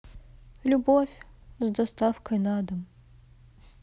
любовь с доставкой на дом